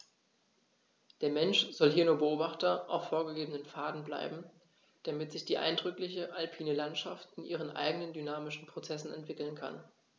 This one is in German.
Der Mensch soll hier nur Beobachter auf vorgegebenen Pfaden bleiben, damit sich die eindrückliche alpine Landschaft in ihren eigenen dynamischen Prozessen entwickeln kann.